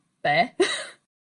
be'?